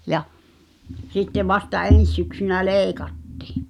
ja sitten vasta ensi syksynä leikattiin